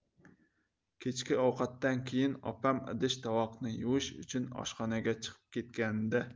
kechki ovqatdan keyin opam idish tovoqni yuvish uchun oshxonaga chiqib ketganida